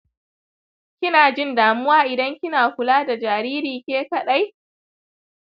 kina jin damuwa idan kina kula da jariri ke kaɗai?